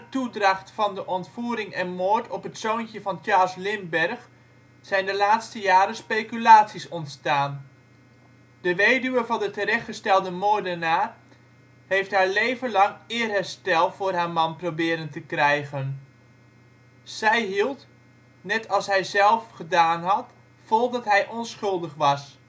toedracht van de ontvoering en moord op het zoontje van Charles Lindbergh zijn de laatste jaren speculaties ontstaan. De weduwe van de terechtgestelde moordenaar heeft haar leven lang eerherstel voor haar man proberen te krijgen. Zij hield, net als hijzelf gedaan had, vol dat hij onschuldig was